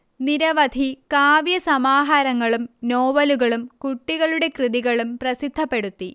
നിരവധി കാവ്യ സമാഹാരങ്ങളും നോവലുകളും കുട്ടികളുടെ കൃതികളും പ്രസിദ്ധപ്പെടുത്തി